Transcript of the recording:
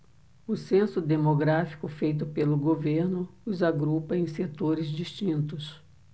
o censo demográfico feito pelo governo os agrupa em setores distintos